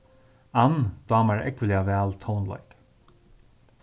ann dámar ógvuliga væl tónleik